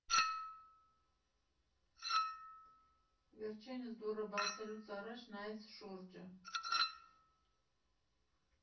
Վերջինս դուռը բացելուց առաջ նայեց շուրջը։